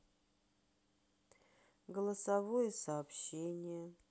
голосовое сообщение